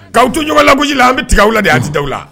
'aw toɲɔgɔn labuguji la an bɛ tigɛ la de an tɛ aw la